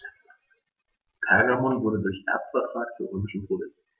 Pergamon wurde durch Erbvertrag zur römischen Provinz.